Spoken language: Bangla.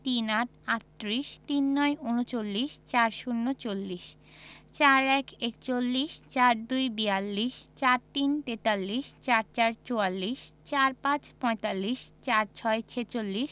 ৩৮ - আটত্রিশ ৩৯ - ঊনচল্লিশ ৪০ - চল্লিশ ৪১ - একচল্লিশ ৪২ - বিয়াল্লিশ ৪৩ - তেতাল্লিশ ৪৪ – চুয়াল্লিশ ৪৫ - পঁয়তাল্লিশ ৪৬ - ছেচল্লিশ